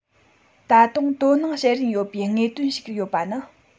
ད དུང དོ སྣང བྱེད རིན ཡོད པའི དངོས དོན ཞིག ཡོད པ ནི